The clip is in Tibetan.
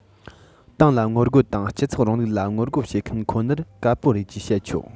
ཏང ལ ངོ རྒོལ དང སྤྱི ཚོགས རིང ལུགས ལ ངོ རྒོལ བྱེད མཁན ཁོ ནར དཀར པོ རེད ཅེས བཤད ཆོག